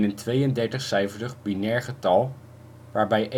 tweeëndertigcijferig binair getal, waarbij